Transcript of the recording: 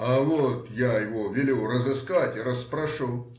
— А вот я его велю разыскать и расспрошу.